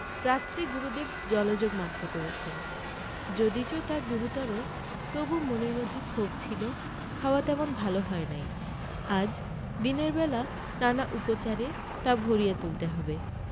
রাত্রে গুরুদেব জলযোগ মাত্র করেছেন যদিচ তা গুরুতর তবু মনের মধ্যে ক্ষোভ ছিল খাওয়া তেমন ভাল হয় নাই আজ দিনের বেলা নানা উপচারে তা ভরিয়ে তুলতে হবে